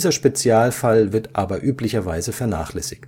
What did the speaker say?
Spezialfall wird aber üblicherweise vernachlässigt